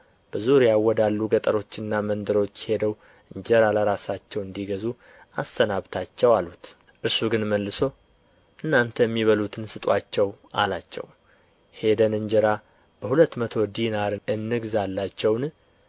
በዙሪያ ወዳሉ ገጠሮችና መንደሮች ሄደው እንጀራ ለራሳቸው እንዲገዙ አሰናብታቸው አሉት እርሱ ግን መልሶ እናንተ የሚበሉትን ስጡአቸው አላቸው ሄደን እንጀራ በሁለት መቶ ዲናር እንግዛላቸውን